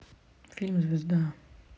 фильм звезда